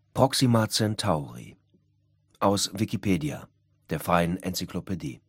Proxima Centauri, aus Wikipedia, der freien Enzyklopädie